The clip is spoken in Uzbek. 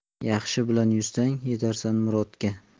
yaxshi bilan yursang yetarsan murodga